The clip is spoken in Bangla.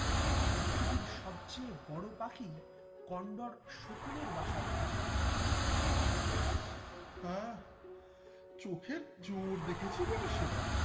পৃথিবীর সবচেয়ে বড় পাখি কন্ডর শকুনের বাসার খোঁজে হ্যাঁ চোখের জোর দেখেছি বটে সেবার